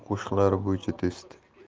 qo'shiqlari bo'yicha test